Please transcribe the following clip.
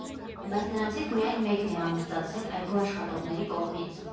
Բայց նրանցից միայն մեկն է անուն ստացել այգու աշխատողների կողմից.